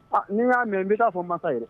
A, n'i y'a mɛn n bɛ t'a fɔ n mansa ye dɛ!